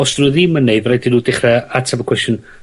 os dwn nw ddim yn neud by' raid i nw dechre ateb y cwestiwn